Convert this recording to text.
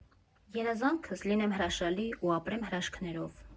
Երազանքս՝ լինեմ հրաշալի ու ապրեմ հրաշքներով։